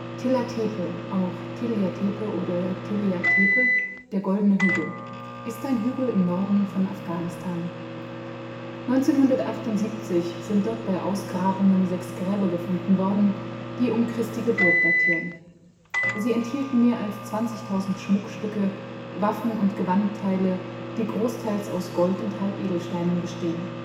تپه; auch Tillya Tepe oder Tillja Tepe, der goldene Hügel) ist ein Hügel im Norden von Afghanistan. 1978 sind dort bei Ausgrabungen sechs Gräber gefunden worden, die um Christi Geburt datieren. Sie enthielten mehr als 20 000 Schmuckstücke, Waffen und Gewandteile, die großteils aus Gold und Halbedelsteinen bestehen